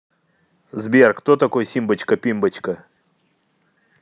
сбер кто такой симбочка пимбочка